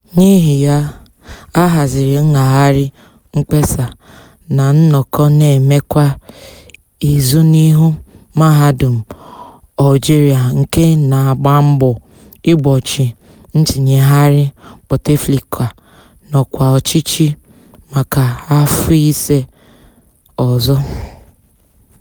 N'ihi ya, a haziri ngagharị mkpesa na nnọkọ na-eme kwa izu n'ihu mahadum Algeria nke na-agba mbọ igbochi ntinyegharị Bouteflika n'ọkwá ọchịchị maka afọ 5 ọzọ.